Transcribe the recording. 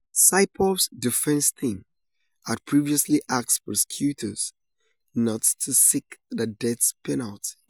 Saipov's defense team had previously asked prosecutors not to seek the death penalty.